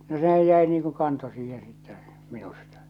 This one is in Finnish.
no sehän jäi niin kuin kanto siihen sitten minusta